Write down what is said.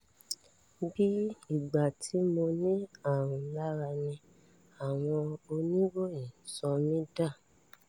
”Bíi ìgbà tí mo ní àrùn lára ni àwọn oníròyìn sọ mí dà.”